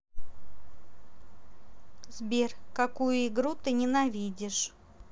сбер какую игру ты ненавидишь